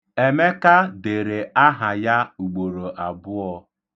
Emeka dere aha ya ugboro abụọ.